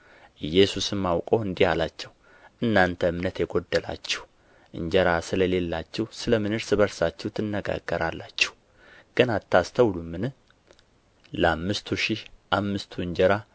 ኢየሱስም አውቆ እንዲህ አላቸው እናንተ እምነት የጐደላችሁ እንጀራ ስለ ሌላችሁ ስለ ምን እርስ በርሳችሁ ትነጋገራላችሁ ገና አታስተውሉምን ለአምስቱ ሺህ አምስቱ እንጀራ